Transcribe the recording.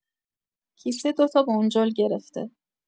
کیسه دوتا بنجل گرفته